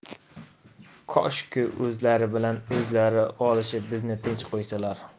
koshki o'zlari bilan o'zlari olishib bizni tinch qo'ysalar